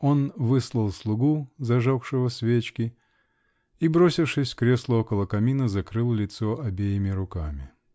Он выслал слугу, зажегшего свечки, и, бросившись в кресло около камина, закрыл лицо обеими руками.